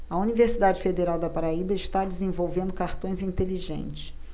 a universidade federal da paraíba está desenvolvendo cartões inteligentes